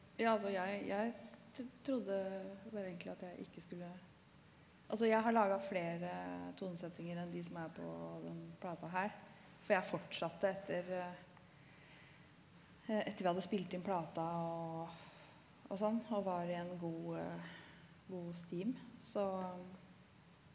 ja altså jeg jeg trodde vel egentlig at jeg ikke skulle altså jeg har laga flere tonesettinger enn de som er på den plata her for jeg fortsatte etter etter vi hadde spilt inn plata og og sånn og var i en god god stim så.